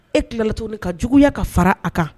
E tilalaton ka juguya ka fara a kan